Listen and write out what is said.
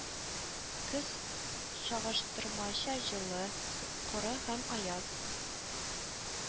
Көз чагыштырмача җылы, кэ коры һәм аяз